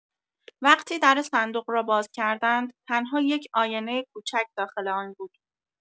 وقتی در صندوق را باز کردند، تنها یک آینه کوچک داخل آن بود.